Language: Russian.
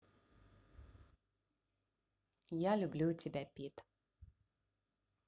я люблю тебя пит